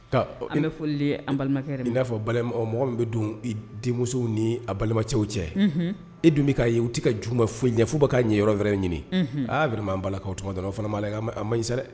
Ka fɔ balimakɛ nin n'a balima mɔgɔ min bɛ don denmuso ni a balimacɛw cɛ e dun bɛ ka ye u t tɛ ka juba foyi ɲɛ foba kaa ɲɛ yɔrɔ wɛrɛ ɲini aa'an balalakaw o dɔrɔn o fana ma a man ɲi dɛ